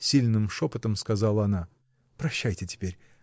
— сильным шепотом сказала она. — Прощайте теперь!